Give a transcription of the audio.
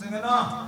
Sɛgɛn